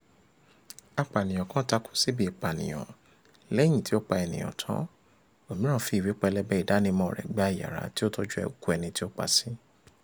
Apànìyàn kan takú sí ibi ìpànìyàn lẹ́yìn tí ó pa ènìyàn tán; òmíràn fi ìwé pẹlẹbẹ ìdánimọ̀ọ rẹ̀ gba iyàrá tí ó tọ́jú òkú ẹni tí ó pa sí.